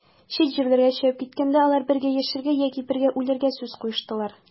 Чит җирләргә чыгып киткәндә, алар бергә яшәргә яки бергә үләргә сүз куештылар.